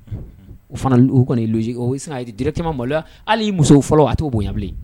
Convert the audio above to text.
Unhun, u fana, u kɔnni ye logique ye,o o, i bɛ sin ka ye ten directement , maloya, hali i muso fɔlɔ a tɛ bonya bilen.